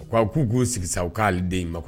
U ko k'u k'u sigi u k'ale den in ma kuwa